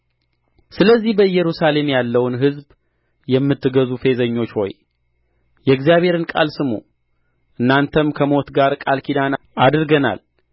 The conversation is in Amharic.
ስለዚህ በኢየሩሳሌም ያለውን ሕዝብ የምትገዙ ፌዘኞች ሆይ የእግዚአብሔርን ቃል ስሙ እናንተም ከሞት ጋር ቃል ኪዳን አድርገናል